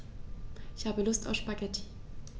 Ich habe Lust auf Spaghetti.